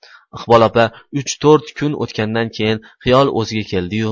iqbol opa uch to'rt kun o'tgandan keyin xiyol o'ziga keldi yu